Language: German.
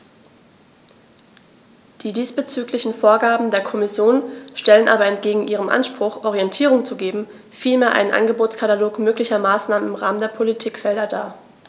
Die diesbezüglichen Vorgaben der Kommission stellen aber entgegen ihrem Anspruch, Orientierung zu geben, vielmehr einen Angebotskatalog möglicher Maßnahmen im Rahmen der Politikfelder dar.